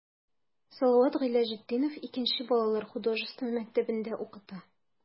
Салават Гыйләҗетдинов 2 нче балалар художество мәктәбендә укыта.